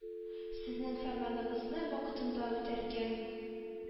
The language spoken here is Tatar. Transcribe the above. Сезнең фәрманыгызны вакытында үтәргә,